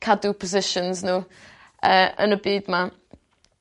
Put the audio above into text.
cadw positions n'w yy yn y byd 'ma.